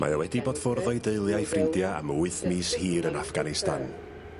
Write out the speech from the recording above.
Mae e wedi bod ffwrdd o'i deulu au ffrindia am y wyth mis hir yn Afghanistan